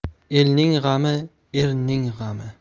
elning g'ami erning g'ami